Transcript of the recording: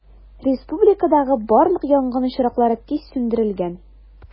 Республикадагы барлык янгын очраклары тиз сүндерелгән.